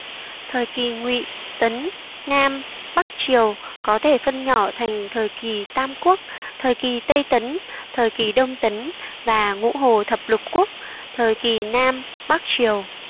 thời kỳ ngụy tấn nam bắc triều có thể phân nhỏ thành thời kỳ tam quốc thời kỳ tây tấn thời kỳ đông tấn và ngũ hồ thập lục quốc thời kỳ nam bắc triều